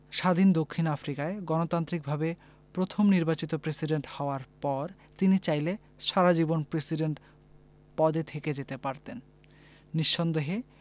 স্বাধীন দক্ষিণ আফ্রিকায় গণতান্ত্রিকভাবে প্রথম নির্বাচিত প্রেসিডেন্ট হওয়ার পর তিনি চাইলে সারা জীবন প্রেসিডেন্ট পদে থেকে যেতে পারতেন নিঃসন্দেহে